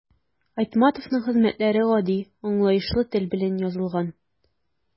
Айтматовның хезмәтләре гади, аңлаешлы тел белән язылган.